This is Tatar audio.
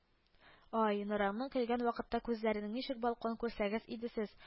Ай, Нораңың көлгән вакытта күзләренең ничек балкуын күрсәгез иде сез